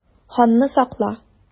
Ханны сакла!